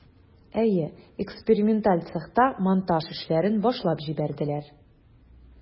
Әйе, эксперименталь цехта монтаж эшләрен башлап җибәрделәр.